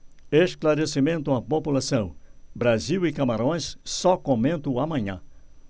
esclarecimento à população brasil e camarões só comento amanhã